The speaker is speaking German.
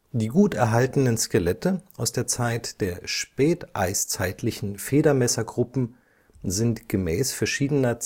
gut erhaltenen Skelette aus der Zeit der späteiszeitlichen Federmesser-Gruppen sind gemäß verschiedener